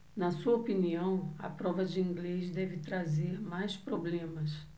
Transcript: na sua opinião a prova de inglês deve trazer mais problemas